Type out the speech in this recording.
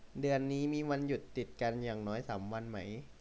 เดือนนี้มีวันหยุดติดกันอย่างน้อยสามวันไหม